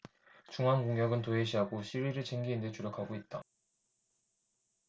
중앙 공격은 도외시하고 실리를 챙기는 데 주력하고 있다